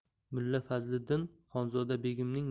mulla fazliddin xonzoda begimning